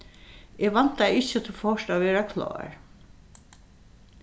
eg væntaði ikki at tú fórt at vera klár